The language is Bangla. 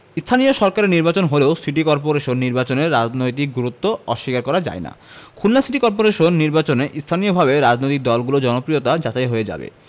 স্থানীয় সরকারের নির্বাচন হলেও সিটি করপোরেশন নির্বাচনের রাজনৈতিক গুরুত্ব অস্বীকার করা যায় না খুলনা সিটি করপোরেশন নির্বাচনে স্থানীয়ভাবে রাজনৈতিক দলগুলোর জনপ্রিয়তা যাচাই হয়ে যাবে